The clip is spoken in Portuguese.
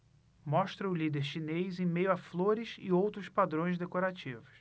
mostra o líder chinês em meio a flores e outros padrões decorativos